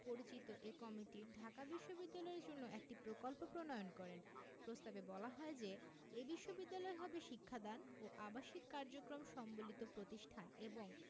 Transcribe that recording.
পরিচিত এ কমিটি ঢাকা বিশ্ববিদ্যালয়ের জন্য একটি প্রকল্প প্রণয়ন করেন প্রস্তাবে বলা হয় যে এ বিশ্ববিদ্যালয় হবে শিক্ষাদান ও আবাসিক কার্যক্রম সম্বলিত প্রতিষ্ঠান এবং